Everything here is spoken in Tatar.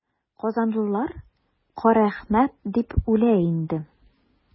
Казанлылар Карәхмәт дип үлә инде.